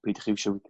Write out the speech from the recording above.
peidiwch a iwisio